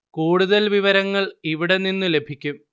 കൂടുതല്‍ വിവരങ്ങള്‍ ഇവിടെ നിന്നു ലഭിക്കും